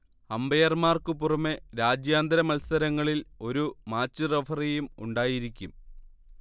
അമ്പയർമാർക്കു പുറമേ രാജ്യാന്തര മത്സരങ്ങളിൽ ഒരു മാച്ച് റഫറിയും ഉണ്ടായിരിക്കും